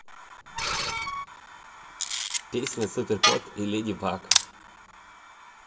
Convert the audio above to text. песня супер кот и леди баг